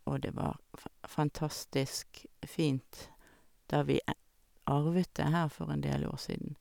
Og det var fa fantastisk fint da vi e arvet det her for en del år siden.